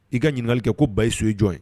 I ka ɲininkali kɛ ko ba su ye jɔn ye